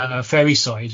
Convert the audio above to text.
...yy fairyside.